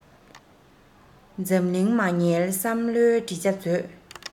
འཛམ གླིང མ བསྙེལ བསམ བློའི བྲིས བྱ མཛོད